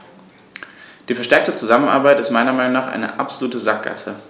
Die verstärkte Zusammenarbeit ist meiner Meinung nach eine absolute Sackgasse.